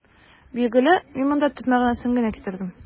Билгеле, мин монда төп мәгънәсен генә китердем.